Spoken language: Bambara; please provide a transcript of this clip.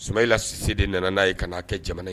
Sumayila Sise de nana n'a ye kan'a kɛ jamana